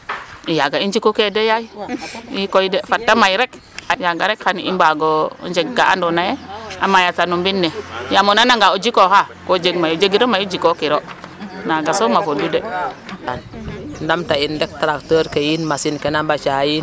Yaaga i njikukee de yaay i koy de fat ta may rek yaaga rek xan i mbaag o njeg ka andoona yee a mayata no mbind ne yaam o nananga o jikooxa ko jeg mayu jegiro mayu jikooxkiro naaga soom a fodu de ndamta in rek tracteur ke yiin machine ke na mbaaca yiin .